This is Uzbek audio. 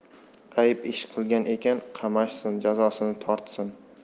ayb ish qilgan ekan qamashsin jazosini tortsin